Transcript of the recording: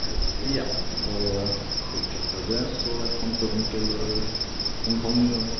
Ja, og bortsett fra det så er tante og onkel i Hong Kong nå, og...